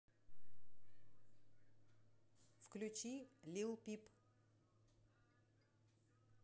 включи лил пип